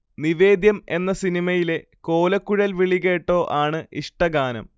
നിവേദ്യം എന്ന സിനിമയിലെ കോലക്കുഴൽവിളി കേട്ടോ ആണ് ഇഷ്ടഗാനം